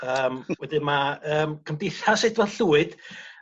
Yym wedyn ma' yym Cymdeithas Edward Llwyd